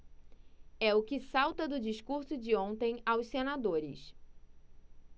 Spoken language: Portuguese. é o que salta do discurso de ontem aos senadores